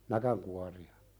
näkinkuoria